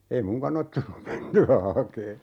ei minunkaan ole tullut mentyä hakemaan